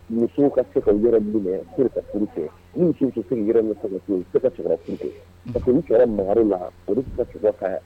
Misi ka se ka yɛrɛ minnu kɛur ka kɛ ni muso se yɛrɛ se ka su parce kɛra mari la olu ka sokɛ ka